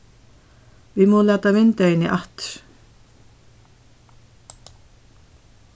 vit mugu lata vindeyguni aftur